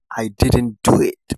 I didn't do it."